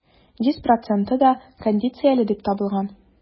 Йөз проценты да кондицияле дип табылган.